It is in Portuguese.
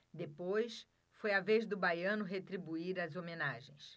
depois foi a vez do baiano retribuir as homenagens